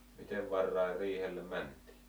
miten varhain riihelle mentiin